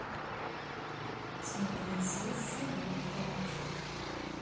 смотреть следствие ведут колобки